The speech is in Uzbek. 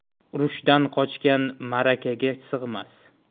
urushdan qochgan ma'rakaga sig'mas